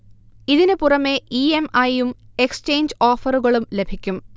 ഇതിന് പുറമെ E. M. I. യും എക്സചേഞ്ച് ഓഫറുകളും ലഭിക്കും